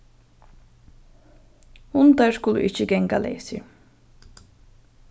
hundar skulu ikki ganga leysir